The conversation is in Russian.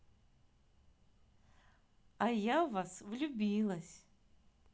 я в вас влюбилась